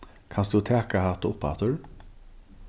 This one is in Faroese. kanst tú taka hatta upp aftur